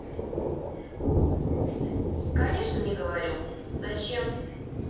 конечно не говорю зачем